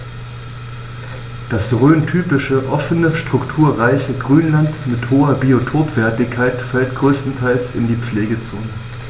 Das rhöntypische offene, strukturreiche Grünland mit hoher Biotopwertigkeit fällt größtenteils in die Pflegezone.